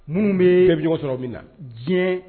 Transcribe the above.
Minnu bɛ e bɛ ɲɔgɔn sɔrɔ min na diɲɛ